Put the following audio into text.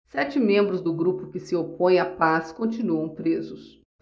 sete membros do grupo que se opõe à paz continuam presos